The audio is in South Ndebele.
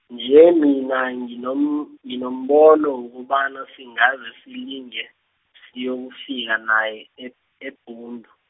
nje mina nginom- nginombono wokobana, singaze silinge, siyokufika naye e- eBhundu.